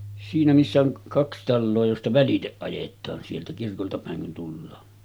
siinä missä on kaksi taloa josta välitse ajetaan sieltä kirkolta päin kun tullaan